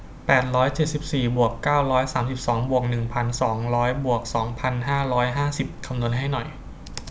แปดร้อยเจ็ดสิบสี่บวกเก้าร้อยสามสิบสองบวกหนึ่งพันสองร้อยบวกสองพันห้าร้อยห้าสิบคำนวณให้หน่อย